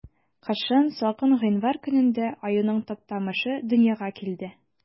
Кышын, салкын гыйнвар көнендә, аюның Таптамышы дөньяга килде.